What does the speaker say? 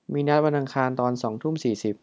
มีนัดวันอังคารตอนสองทุ่มสี่สิบ